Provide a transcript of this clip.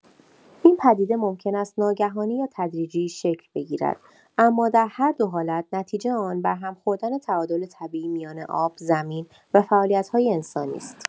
این پدیده ممکن است ناگهانی یا تدریجی شکل بگیرد، اما در هر دو حالت، نتیجه آن برهم خوردن تعادل طبیعی میان آب، زمین و فعالیت‌های انسانی است.